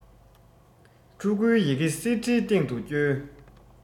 ཕྲུ གུའི ཡི གེ གསེར ཁྲིའི སྟེང དུ སྐྱོལ